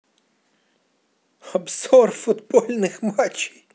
обзор футбольных матчей